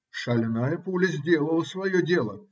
Шальная пуля сделала свое дело.